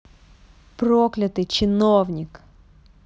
проклятый чиновник